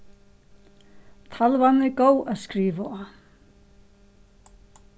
talvan er góð at skriva á